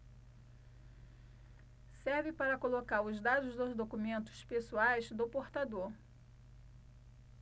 serve para colocar os dados dos documentos pessoais do portador